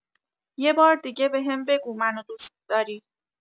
یه بار دیگه بهم بگو منو دوست‌داری